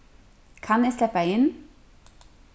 kann eg sleppa inn